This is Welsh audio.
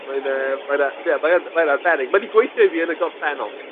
mae'n yym mae'n a- ie mae yn, mae'n arbennig. Mae 'di gweithio i fi yn y gorffennol.